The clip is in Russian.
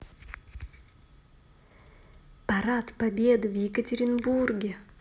парад победы в екатеринбурге